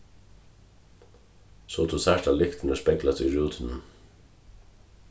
so tú sært at lyktirnar speglast í rútinum